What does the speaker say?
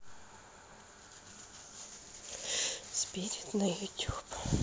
спирит на ютуб